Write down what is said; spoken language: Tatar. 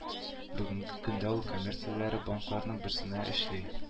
Бүгенге көндә ул коммерцияле банкларның берсендә эшли